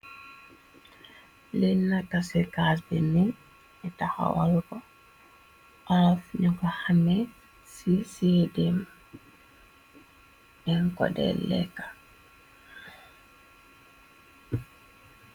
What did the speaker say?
Llenakasekabene be taxawal ko af ñu ko hame ci cedem den ko deleka.